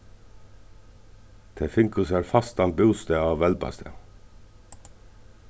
tey fingu sær fastan bústað á velbastað